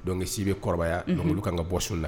Dɔnku si bɛ kɔrɔbaya yan olu ka kan ka bɔso la